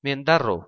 men darrov